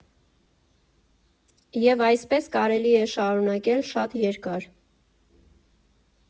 Եվ այսպես կարելի է շարունակել շատ երկար։